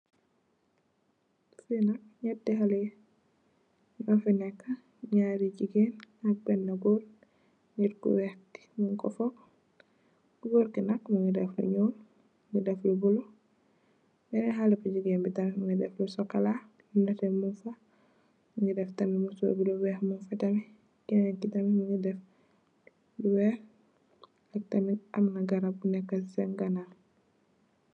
Fi nak nyeti haleh nyofi neka nyarri gigain ak bena gorr nit ku weih ki nyungko fuub ku gorr ki nak Mungi def lu nyuul Mungi deff lu blue benen haleh gigain bi tamit Mungi def lu sokola neteh Mungfa Mungi deff tam musorr bu weih Mungfa tamit kenen ki tamit Mungi deff lu weih ak tamit amna garab bu neka sen ganaw .